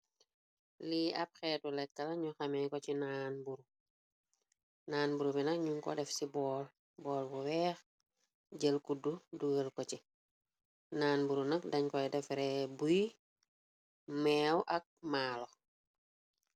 Lii ab xeetu lekkla ñu xamee ko ci naan buru naan buru bi nag ñuñ ko def ci bool bu weex jël kudd dugel ko ci naan buru nag dañ koy defaree buy meew ak maalo.